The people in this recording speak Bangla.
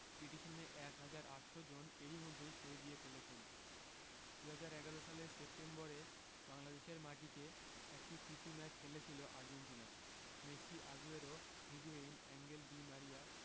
পিটিশনে ১ হাজার ৮০০ জন এরই মধ্যে সই দিয়ে ফেলেছেন ২০১১ সালের সেপ্টেম্বরে বাংলাদেশের মাটিতে একটি প্রীতি ম্যাচ খেলেছিল Argentina Messi Aguero Higuain Angel Di মারিয়া